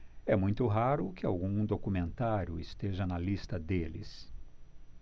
é muito raro que algum documentário esteja na lista deles